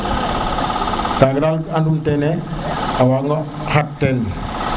kaga dal andum teen a waga xat teen